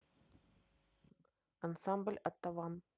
ансамбль оттаван